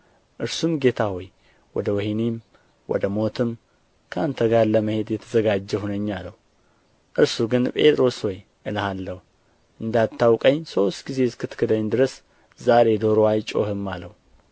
እርሱም ጌታ ሆይ ወደ ወኅኒም ወደ ሞትም ከአንተ ጋር ለመሄድ የተዘጋጀሁ ነኝ አለው እርሱ ግን ጴጥሮስ ሆይ እልሃለሁ እንዳታውቀኝ ሦስት ጊዜ እስክትክደኝ ድረስ ዛሬ ዶሮ አይጮኽም አለው